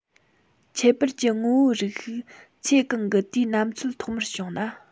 ཁྱད པར གྱི ངོ བོའི རིགས ཤིག ཚེ གང གི དུས ནམ ཚོད ཐོག མར བྱུང ན